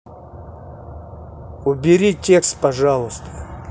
убери текст пожалуйста